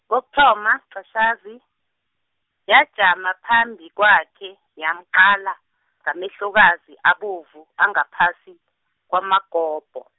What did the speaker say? kokuthoma, -qatjhazi, yajama phambi kwakhe, yamqala, ngamehlokazi abovu, angaphasi, kwamagobho.